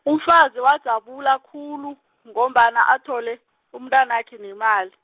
umfazi wajabula khulu, ngombana athole, umntwanakhe nemal- .